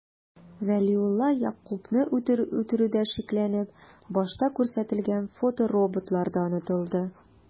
Вәлиулла Ягъкубны үтерүдә шикләнеп, башта күрсәтелгән фотороботлар да онытылды...